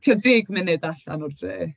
Tua deg munud allan o'r dre.